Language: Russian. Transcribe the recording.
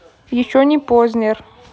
еще не познер